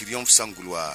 Gw sanku wa